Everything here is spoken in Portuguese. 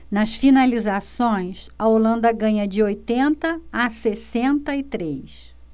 nas finalizações a holanda ganha de oitenta a sessenta e três